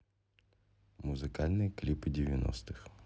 музыкальные клипы девяностых